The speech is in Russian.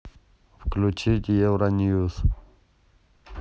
включить евро ньюс